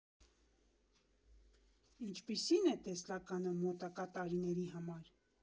Ինչպիսի՞ն է տեսլականը մոտակա տարիների համար։